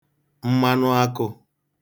mmanụ akụ̄